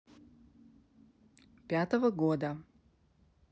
пятого года